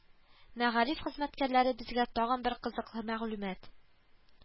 Мәгариф хезмәткәрләре безгә тагын бер кызыклы мәгълүмат